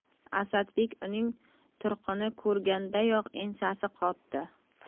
asadbek uning turqini ko'rgandayoq ensasi qotdi